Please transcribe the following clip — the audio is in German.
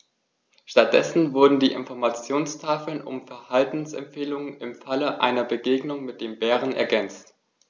Stattdessen wurden die Informationstafeln um Verhaltensempfehlungen im Falle einer Begegnung mit dem Bären ergänzt.